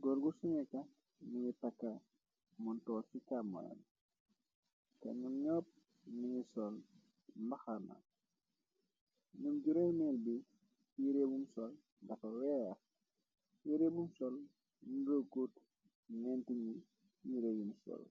goór gu suneka mingi takka montoor ci chàmoon te nyam ñopp ningi sol mbaxana ñum juroy neel bi ireebum sol dafa weex iréebum sol ñurogut nenti ñi yireeyum sol.